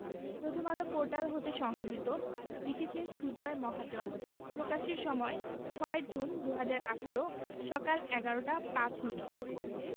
Prothom Alo portal হতে সংগৃহীত লিখেছেন সুজয় মহাজন প্রকাশের সময় ৬জুন ২০১৮ সকাল ১১টা ৫ মিনিট